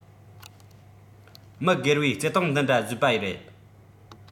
མི སྒེར བའི བརྩེ དུང འདི འདྲ བཟོས པ རེད